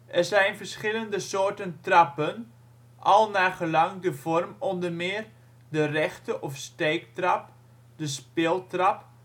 zijn verschillende soorten trappen, al naargelang de vorm onder meer: De rechte of steektrap; De spiltrap